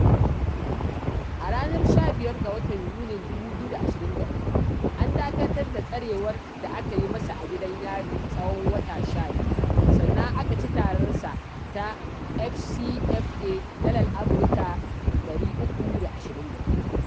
A ranar 15 ga watan Yunin 2023, an dakatar da tsarewar da aka yi masa a gidan Yari tsawon wata 12, sannan aka ci tararsa ta FCFA (Dalar Amurka 322).